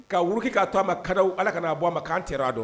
Ka wuruki ka taama karaw ala kana a bɔ a ma, k'an tɛgɛra la.